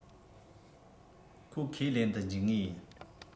ཁོ ཁས ལེན དུ འཇུག ངེས ཡིན